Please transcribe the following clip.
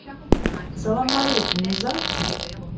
салам алейкум не за